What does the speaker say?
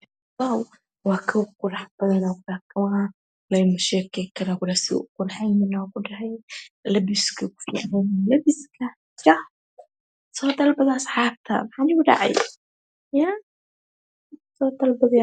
Waaaw waa kobo qurux badan lagama shekeen karo sidey uqurxan lebiska ku ficn yihiin jah so dalbada asxabta